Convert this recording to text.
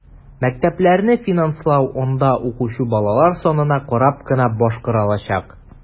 Мәктәпләрне финанслау анда укучы балалар санына карап кына башкарылачак.